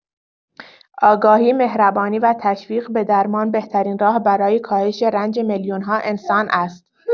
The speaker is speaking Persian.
آگاهی، مهربانی و تشویق به درمان بهترین راه برای کاهش رنج میلیون‌ها انسان است.